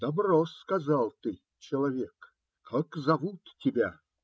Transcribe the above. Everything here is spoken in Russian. - Добро сказал ты, человек. Как зовут тебя?